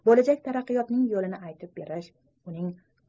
bo'lajak taraqqiyotning yo'lini aytib berish uning